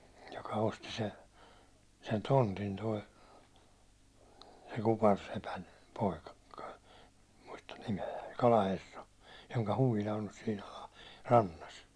joka osti - sen tontin tuo se kuparisepän poika koko muistan nimeä kalaherra jonka huvila on nyt siinä - alarannassa